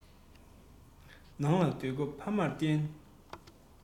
ནང ལ སྡོད སྐབས ཕ མར བརྟེན